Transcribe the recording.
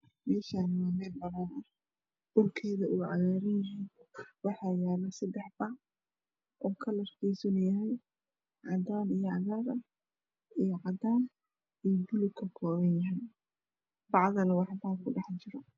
Meeshaani waa meel bannaan dhulkayda oo cagaaran yahay waxa yaala saddex cad oo karartiisana yahay cadaan iyo cagaar iyo cadaan iyo buluug ayuu ka kooban yahay bacdana waxbaa ku dhex jiro .